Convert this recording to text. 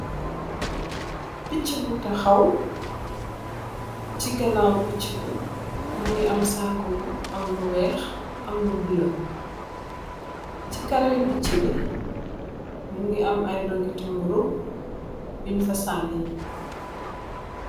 Pitchi bu takhaw si ganaw pitchi bi munge am sakoh bu wekh amlu bulah si kanami pitchibi munge am aye dogeti mboroh bunj fa sanih